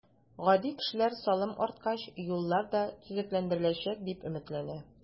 Гади кешеләр салым арткач, юллар да төзекләндереләчәк, дип өметләнә.